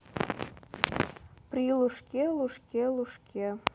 при лужке лужке лужке